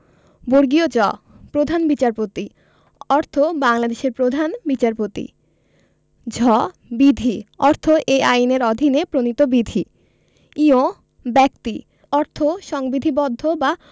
জ প্রধান বিচারপতি অর্থ বাংলাদেমের প্রধান বিচারপতি ঝ বিধি অর্থ এই আইনের অধীনে প্রণীত বিধি ঞ ব্যক্তি অর্থে সংবিধিবদ্ধ বা